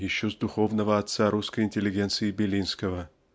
еще с духовного отца русской интеллигенции Белинского.